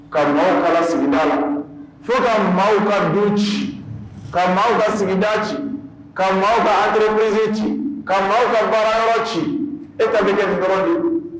Ka ka sigida la fo ka mɔgɔw ka don ci ka mɔgɔw ka sigida ci ka mɔgɔw ka antob ci ka mɔgɔw ka baara yɔrɔ ci e ta kɛ dɔrɔn ye